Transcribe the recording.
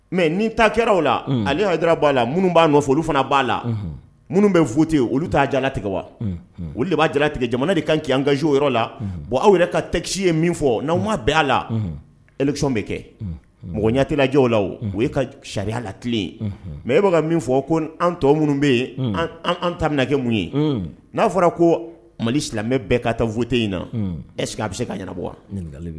Mɛ ni ta la ale'a la minnu b'a olu fana b'a la minnu bɛ olu' jala tigɛ wa olu de b'a jalatigɛ jamana de kan kɛ an ganzo yɔrɔ la aw yɛrɛ ka tɛkisi ye min fɔ n'aw ma bɛ a la esɔn bɛ kɛ mɔgɔyatɛlajɛ la o ye ka sariyaya lati ye mɛ e bɛ ka min fɔ koan tɔ minnu bɛ yenan ta kɛ mun ye n'a fɔra ko mali silamɛmɛ bɛɛ ka taa fute in na ɛseke a bɛ se kabɔ